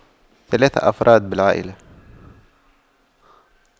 ثلاث افراد بالعائلة